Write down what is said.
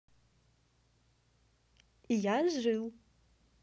я жил